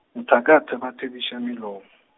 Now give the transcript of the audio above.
mothaka thebathebiša melomo.